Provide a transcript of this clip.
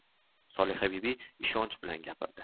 solihabibi ishonch bilan gapirdi